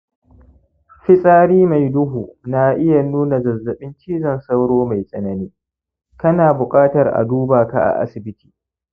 fitsari mai duhu na iya nuna zazzaɓin cizon sauro mai tsanani, kana buƙatar a duba ka a asibiti